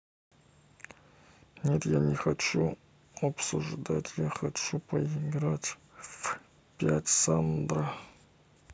нет я не хочу обсуждать я хочу поиграть в gta пять сандра